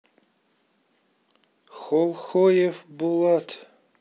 холхоев булат